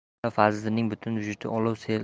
mulla fazliddinning butun vujudi